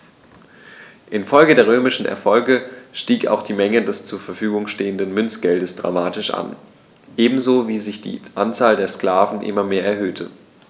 Infolge der römischen Erfolge stieg auch die Menge des zur Verfügung stehenden Münzgeldes dramatisch an, ebenso wie sich die Anzahl der Sklaven immer mehr erhöhte.